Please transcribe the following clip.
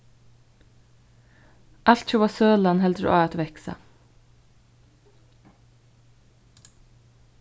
altjóða sølan heldur á at vaksa